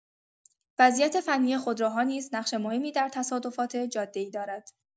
وضعیت فنی خودروها نیز نقش مهمی در تصادفات جاده‌ای دارد.